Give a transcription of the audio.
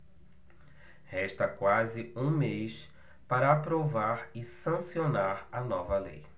resta quase um mês para aprovar e sancionar a nova lei